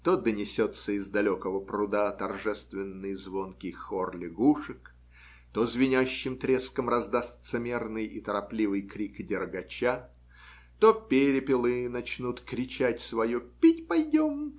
то донесется из далекого пруда торжественный, звонкий хор лягушек, то звенящим треском раздастся мерный и торопливый крик дергача, то перепелы начнут кричать свое "пить пойдем!